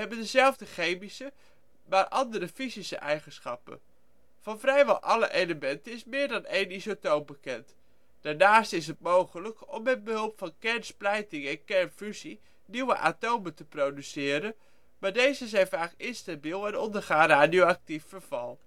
dezelfde chemische maar andere fysische eigenschappen. Van vrijwel alle elementen is meer dan één isotoop bekend. Daarnaast is het mogelijk om met behulp van kernsplijting en kernfusie nieuwe atomen te produceren, maar deze zijn vaak instabiel en ondergaan radioactief verval